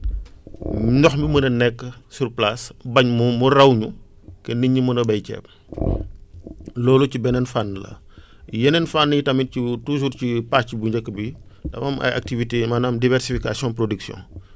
ndox mi mën a nekk sur place bañ moom mu raw ñu que nit ñi mën a béy ceeb loolu ci beneen fànn la yeneen fànn yi tamit ci toujours ci pàcc bu njëkk bi dafa am ay activités maanaam diversification production